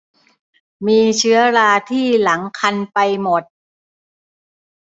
มีเชื้อราที่หลังคันไปหมด